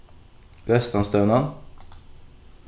vestanstevnan